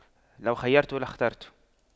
لو خُيِّرْتُ لاخترت